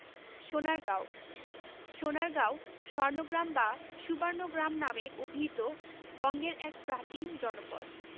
সোনারগাঁও সোনারগাঁও স্বর্ণগ্রাম বা সুবর্ণগ্রাম নামে অভিহিত বঙ্গের এক প্রাচীন জনপদ